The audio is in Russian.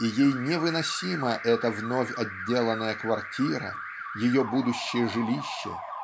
и ей невыносима эта вновь отделанная квартира ее будущее жилище